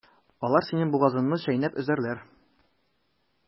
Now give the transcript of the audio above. Алар синең бугазыңны чәйнәп өзәрләр.